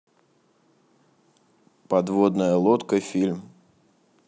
подводная лодка фильм